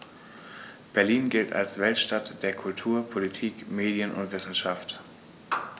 Berlin gilt als Weltstadt der Kultur, Politik, Medien und Wissenschaften.